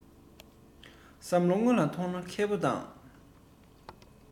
བསམ བློ སྔོན ལ ཐོངས ན མཁས པ དང